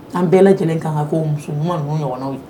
'an bɛɛ lajɛlen kan ka ko musomanuma ninnu ɲɔgɔnw